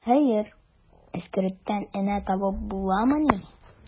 Хәер, эскерттән энә табып буламыни.